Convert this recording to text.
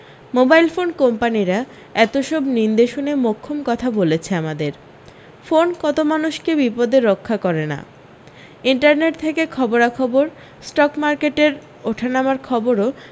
mobile phone কোম্পানিরা এত সব নিন্দে শুনে মোক্ষম কথা বলেছে আমাদের ফোন কত মানুষকে বিপদে রক্ষা করে না ইন্টারনেট থেকে খবরাখবর স্টকমার্কেটের ওঠানামার খবরও